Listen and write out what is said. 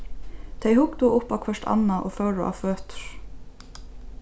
tey hugdu upp á hvørt annað og fóru á føtur